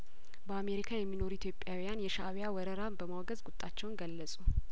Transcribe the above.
በአሜሪካ የሚኖሩ ኢትዮጵያውያን የሻእቢያወረራ በማውገዝ ቁጣቸውን ገለጹ